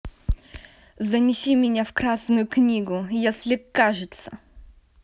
занеси меня в красную книгу если кажется